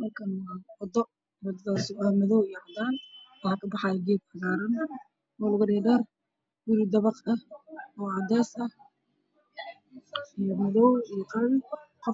Meeshaan waa waddo cadaan yacni madow ah waxaa ka baxaya geed waxaa diyaar waxaa cod ka